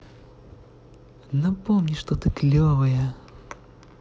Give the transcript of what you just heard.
напомни что ты клевая